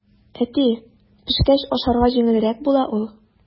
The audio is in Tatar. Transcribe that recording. Әти, пешкәч ашарга җиңелрәк була ул.